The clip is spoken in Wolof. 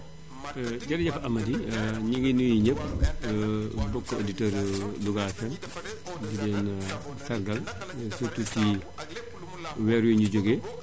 jërëjëf Amady ñu ngi nuyu ñépp mbokki auditeur Louga FM di leen sargal surtout ci weer bii ñu jóge